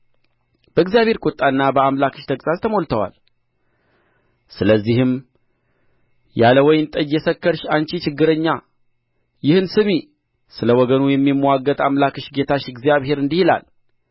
በእግዚአብሔር ቍጣና በአምላክሽ ተግሣጽ ተሞልተዋል ስለዚህም ያለ ወይን ጠጅ የሰከርሽ አንቺ ችግረኛ ይህን ስሚ ስለ ወገኑ የሚምዋገት አምላክሽ ጌታሽ እግዚአብሔር እንዲህ ይላል